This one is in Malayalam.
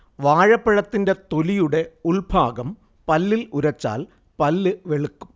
വാഴപ്പഴത്തിന്റെ തൊലിയുടെ ഉൾഭാഗം പല്ലിൽ ഉരച്ചാൽ പല്ല് വെളുക്കും